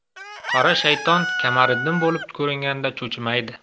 qora shayton kamariddin bo'lib ko'ringanda chuchimaydi